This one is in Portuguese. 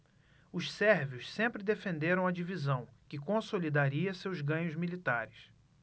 os sérvios sempre defenderam a divisão que consolidaria seus ganhos militares